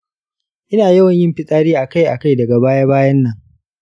ina yawan yin fitsari akai-akai daga baya-bayan nan.